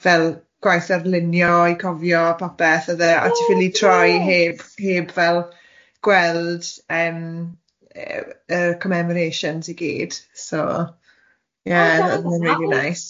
fel gwaith arlunio i cofio popeth odd e a ti ffili troi heb heb fel gweld yym yy yy commemorations i gyd so ie o'dd e'n rili neis.